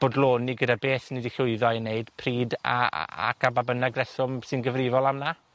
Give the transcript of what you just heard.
bodloni gyda beth ni 'di llwyddo i neud, pryd a a ac am ba bynnag reswm sy'n gyfrifol am 'na